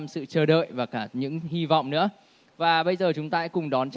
sự chờ đợi và cả những hy vọng nữa và bây giờ chúng ta hãy cùng đón